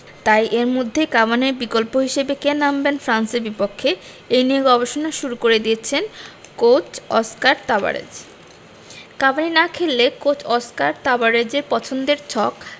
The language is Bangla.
তাই এর মধ্যেই কাভানির বিকল্প হিসেবে কে নামবেন ফ্রান্সের বিপক্ষে এই নিয়ে গবেষণা শুরু করে দিয়েছেন কোচ অস্কার তাবারেজ কাভানি না খেললে কোচ অস্কার তাবারেজের পছন্দের ছক